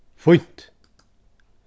fínt